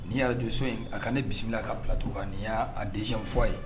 Ni'i yɛrɛ don so in a ka ne bisimila ka bilatu kan nin y'a dɛsɛ fɔ a ye